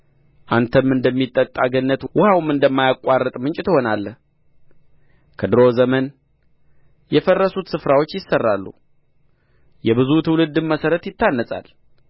አንተም እንደሚጠጣ ገነት ውኃውም እንደማያቋርጥ ምንጭ ትሆናለህ ከዱሮ ዘመን የፈረሱት ስፍራዎች ይሠራሉ የብዙ ትውልድም መሠረት ይታነጻል